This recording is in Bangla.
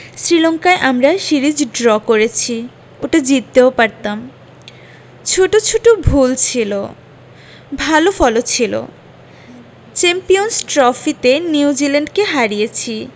শ্রীলঙ্কায় আমরা সিরিজ ড্র করেছি ওটা জিততেও পারতাম ছোট ছোট ভুল ছিল ভালো ফলও ছিল চ্যাম্পিয়নস ট্রফিতে নিউজিল্যান্ডকে হারিয়েছি